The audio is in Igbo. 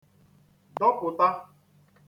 dọpụ̀ta